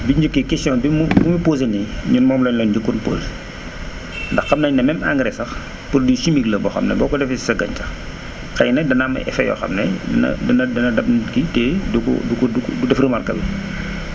bi ñu dikkee question bi mu bi mu posé nii ñun moom lañ leen njëkkoon posé ndax xam nañ ne même engrais sax produit chimique la boo xam ne boo ko defee si sa gàncax xëy na dana am ay effets yoo xam ne dana dana dab nit ki te du ko du ko du def remarque bi